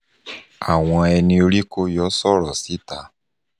Àwọn Ẹni-orí-kó-yọ sọ̀rọ̀ síta